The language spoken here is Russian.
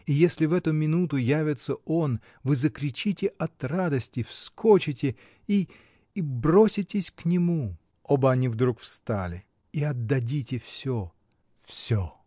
И если в эту минуту явится он, вы закричите от радости, вскочите и. и. броситесь к нему. Оба они вдруг встали. — И отдадите всё. всё.